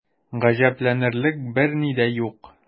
Гаҗәпләнерлек берни дә юк.